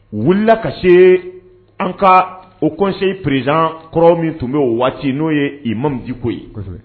Wulila ka se an ka o kɔnse pererezsan kɔrɔw min tun bɛ waati n'o ye i mami jiko ye